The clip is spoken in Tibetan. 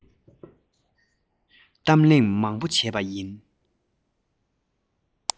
གཏམ གླེང མང པོ བྱས པ ཡིན